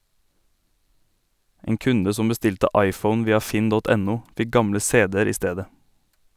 En kunde som bestilte iphone via finn.no fikk gamle cd-er i stedet.